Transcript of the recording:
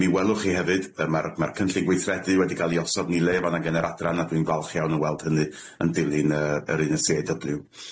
Mi welwch chi hefyd yy ma'r ma'r cynllun gweithredu wedi ca'l 'i osod ni le fana gan yn yr adran a dwi'n falch iawn o weld hynny yn dilyn yy yr un y See Ay Double You.